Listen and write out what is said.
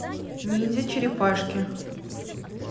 ниндзя черепашки